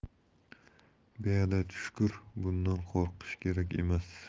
beadad shukr bundan qo'rqish kerak emas